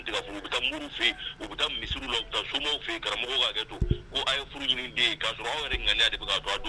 U muru u misi la so fɛ karamɔgɔ' to a ye ɲini'a sɔrɔ aw ŋ de